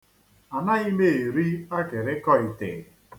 Anaghị m eri akịrịkọ ite.